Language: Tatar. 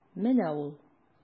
Менә ул.